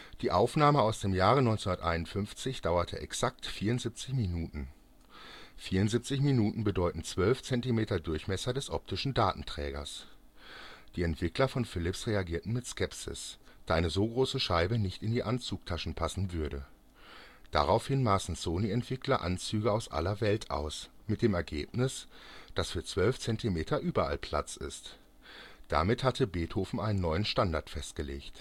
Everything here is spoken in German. Die Aufnahme aus dem Jahre 1951 dauerte exakt 74 Minuten. 74 Minuten bedeuteten 12 cm Durchmesser des optischen Datenträgers. Die Entwickler von Philips reagierten mit Skepsis, da eine so große Scheibe nicht in die Anzugtaschen passen würde. Daraufhin maßen Sony-Entwickler Anzüge aus aller Welt aus, mit dem Ergebnis, dass für 12 cm überall Platz ist. Damit hatte Beethoven einen neuen Standard festgelegt